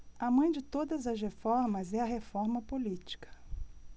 a mãe de todas as reformas é a reforma política